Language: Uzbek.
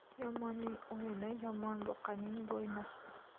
yomonning o'yini yomon buqaning bo'yni